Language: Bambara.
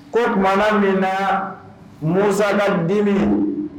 Ko tumaumana min na mɔnsaga di